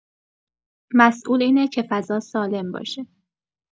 مسئول اینه که فضا سالم باشه؛